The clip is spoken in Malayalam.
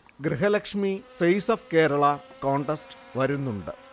Grihalakshmi face of Kerala contest വരുന്നുണ്ട്